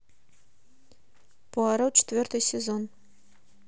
пуаро четвертый сезон